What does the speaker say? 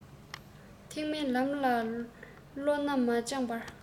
ཐེག དམན ལམ ལ བློ སྣ མ སྦྱངས པར